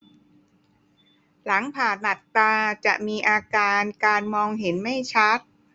หลังผ่าตัดตาจะมีอาการการมองเห็นไม่ชัด